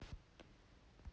ios